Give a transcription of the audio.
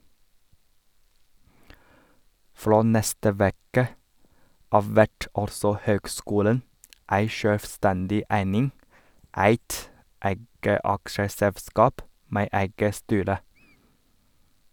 Frå neste veke av vert altså høgskulen ei sjølvstendig eining, eit eige aksjeselskap med eige styre.